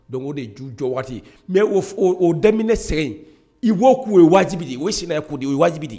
Don de ju jɔ waati mɛ o daminɛ sɛgɛn in i' k'u ye wajibi ye o sina' yejibi de ye